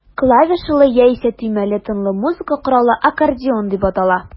Клавишалы, яисә төймәле тынлы музыка коралы аккордеон дип атала.